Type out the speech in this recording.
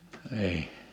niin